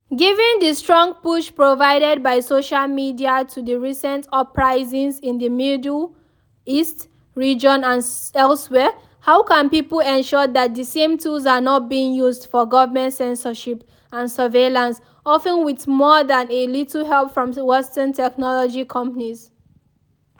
Given the strong push provided by social media to the recent uprisings in the Middle East region and elsewhere, how can people ensure that the same tools are not being used for government censorship and surveillance (often with more than a little help from Western technology companies)?